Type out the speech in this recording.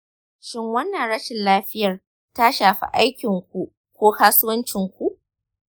shin wannan rashin lafiyar ta shafi aikin ku ko kasuwancin ku?